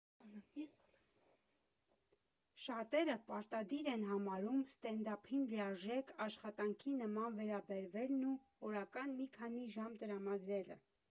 Շատերը պարտադիր են համարում սթենդափին լիարժեք աշխատանքի նման վերաբերվելն ու օրական մի քանի ժամ տրամադրելը։